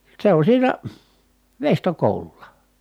se on siinä veistokoululla